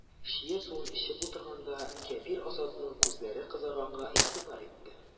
Чия суын эчеп утырганда, Кәбир Азатның күзләре кызарганга игътибар итте.